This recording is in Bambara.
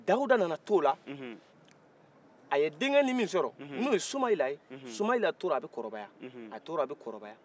dawuda nana tola a ye denkɛnin min sɔrɔ n'o ye soumayila ye soumayila tora a bɛ kɔrɔbaya a tora a bɛ kɔrɔbaya